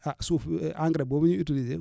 ah suuf engrais boobu ñuy utiliser